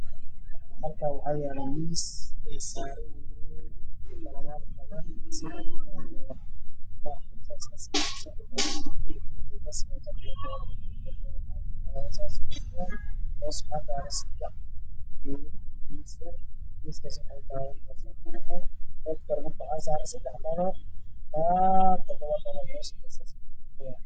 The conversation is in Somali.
Halkaan waxaa ka muuqdo iskafaalo ay saaran yihiin dhalooyin mid waxaa ku jiro dareero madaw mid waxaa ku jiro dareero cadaan ah